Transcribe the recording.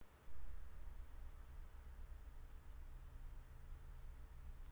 какой идет сестра мира